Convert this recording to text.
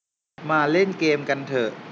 มาเล่นเกมส์กันเถอะ